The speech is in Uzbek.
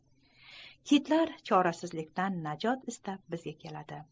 kitlar chorasizlikdan najot istab bizga keladi